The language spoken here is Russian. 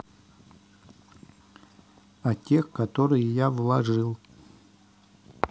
о тех которые я вложил